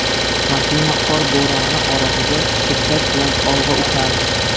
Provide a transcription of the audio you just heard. mashina qor bo'roni orasida shiddat bilan olg'a uchardi